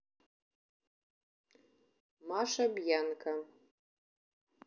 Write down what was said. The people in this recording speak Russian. маша бьянка